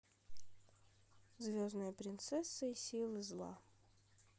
звездная принцесса и сила зла